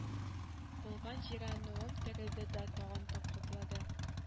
Калган җирәнүем терелде дә тагын каплады